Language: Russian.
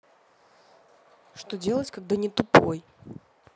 что делать когда не тупой